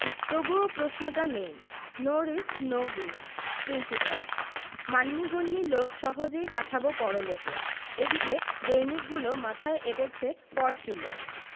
তবুও প্রশ্নটা main no risk no gain principal মান্যিগন্যি লোক সহজেই পাঠাবো পরলোকে এদিকে দৈনিকগুলো মাথায় এঁটেছে পরচুলো